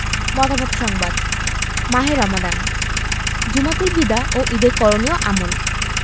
মতামত সংবাদ মাহে রমাদান জুমাতুল বিদা ও ঈদের করণীয় আমল